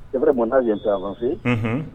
I bɛri mɔn n'a ye anfan fɛ